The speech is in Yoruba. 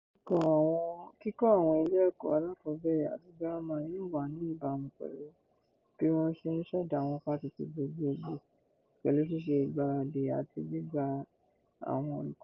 Kíkọ́ àwọn ilé ẹ̀kọ́ alákọ̀ọ́bẹ̀rẹ̀ àti girama yóò wà ní ìbámu pẹ̀lú bí wọ́n ṣe ń ṣẹ̀dá àwọn fáṣítì gbogbogbò, pẹ̀lú ṣiṣẹ́ ìgbáradì àti gbígba àwọn olùkọ́ si.